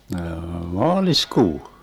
noo maaliskuu